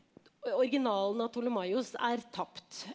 originalen av Ptolemaios er tapt.